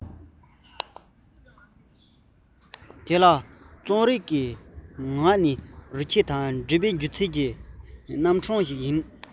དེ ལ རྩོམ རིག ནི ངག གི རིག བྱེད དང འབྲེལ བའི སྒྱུ རྩལ གྱི རྣམ གྲངས ཤིག ཡིན ལ